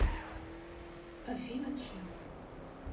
афина ч